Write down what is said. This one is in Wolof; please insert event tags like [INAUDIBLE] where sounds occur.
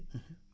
[HESITATION] [HESITATION]